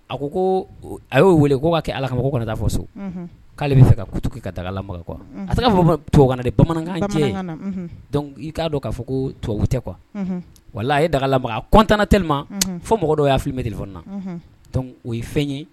A ko ko a y'o weele k ko'a kɛ ala ka ma ko kana taa fɔ so k'ale bɛ fɛ ka ka dagala kuwa a'a fɔ tubabukaana bamanankan cɛ i k'a dɔn k'a fɔ ko tubabu tɛ kuwa wala a ye dagala kɔntanana teelima fo mɔgɔ dɔw y'a filiielina o ye fɛn ye